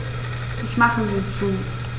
Ich mache sie zu.